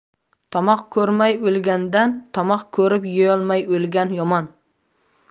tomoq ko'rmay o'lgandan tomoq ko'rib yeyolmay o'lgan yomon